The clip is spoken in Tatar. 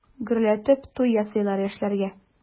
Гөрләтеп туй ясыйлар яшьләргә.